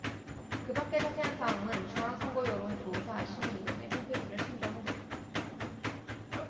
그밖의 자세한 사항은 중앙선거여론조사심의위원회 홈페이지를 참조하면 된다